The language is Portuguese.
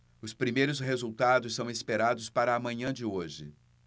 os primeiros resultados são esperados para a manhã de hoje